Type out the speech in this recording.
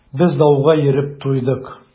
Без ауга йөреп туйдык.